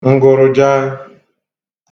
ngụrụjaā